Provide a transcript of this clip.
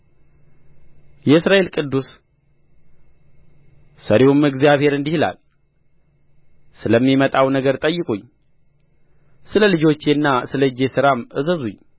የእስራኤል ቅዱስ ሠሪውም እግዚአብሔር እንዲህ ይላል ስለሚመጣው ነገር ጠይቁኝ ስለ ልጆቼና ስለ እጄ ሥራም እዘዙኝ እኔ ምድርን ሠርቻለሁ ሰውንም በእርስዋ ላይ ፈጥሬአለሁ